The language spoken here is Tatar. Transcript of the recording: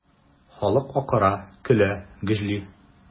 Халык акыра, көлә, гөжли.